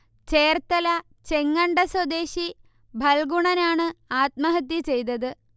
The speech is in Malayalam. ചേർത്തല ചെങ്ങണ്ട സ്വദേശി ഫൽഗുണനാണ് ആത്മഹത്യ ചെയ്തത്